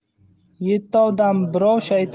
yettovdan birov shayton